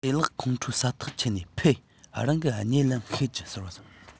ལྗད ལགས ཁོང ཁྲོ ཟ ཐག ཆོད ནས ཕེད རང གིས གཉིད ལམ ཤོད ཀྱིས ཟེར བས